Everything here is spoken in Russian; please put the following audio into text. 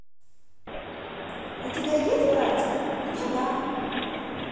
а у тебя есть братик мне да